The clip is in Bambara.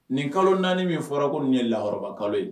Nin kalo nani min fɔra ko ninu ye lahɔrɔma kalo ye